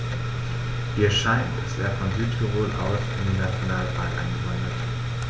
Wie es scheint, ist er von Südtirol aus in den Nationalpark eingewandert.